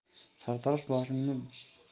sartarosh boshimni